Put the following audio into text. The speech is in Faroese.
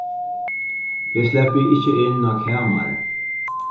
eg sleppi ikki inn á kamarið